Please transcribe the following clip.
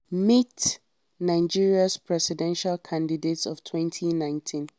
Meet Nigeria's presidential candidates of 2019